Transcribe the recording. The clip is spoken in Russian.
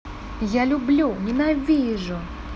я люблю ненавижу